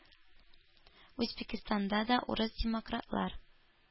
Үзбәкстанда да урыс демократлар,